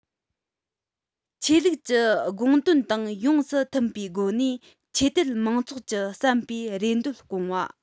ཆོས ལུགས ཀྱི དགོང དོན དང ཡོངས སུ མཐུན པའི སྒོ ནས ཆོས དད དམངས ཚོགས ཀྱི བསམ པའི རེ འདོད སྐོང བ